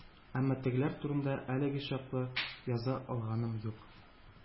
Әмма тегеләр турында әлегә чаклы яза алганым юк.